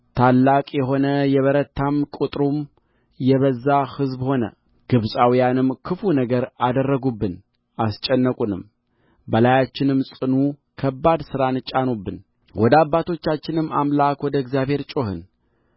ታላቅ የሆነ የበረታም ቍጥሩም የበዛ ሕዝብ ሆነ ግብፃውያንም ክፉ ነገር አደረጉብን አስጨነቁንም በላያችንም ጽኑ ከባድ ሥራን ጫኑብን ወደ አባቶቻችንም አምላክ ወደ እግዚአብሔር ጮኽን